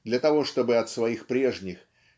для того чтобы от своих прежних